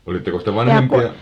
olittekos te vanhempia